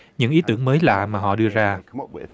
những ý tưởng mới lạ mà họ đưa ra